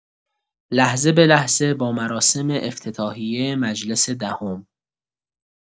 لحظه به لحظه با مراسم افتتاحیه مجلس دهم